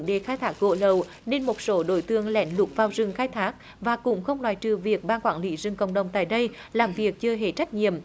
đề khai thác gỗ lậu nên một số đối tượng lén lút vào rừng khai thác và cũng không loại trừ việc ban quản lý rừng cộng đồng tại đây làm việc chưa hề trách nhiệm